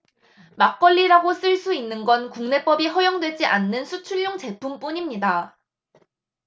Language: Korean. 막걸리라고 쓸 수 있는 건 국내법이 적용되지 않는 수출용 제품뿐 입니다